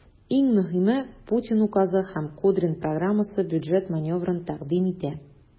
Иң мөһиме, Путин указы һәм Кудрин программасы бюджет маневрын тәкъдим итә.